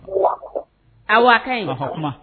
Aw waa kaɔkuma